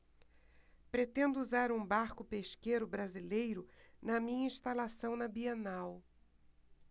pretendo usar um barco pesqueiro brasileiro na minha instalação na bienal